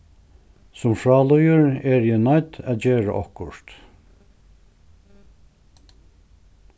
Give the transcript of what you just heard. sum frá líður eri eg noydd at gera okkurt